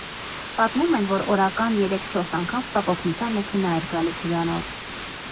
Պատմում են, որ օրական երեք֊չորս անգամ շտապ օգնության մեքենա էր գալիս հյուրանոց…